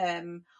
Yrm.